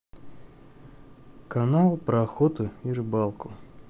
канал про охоту и рыбалку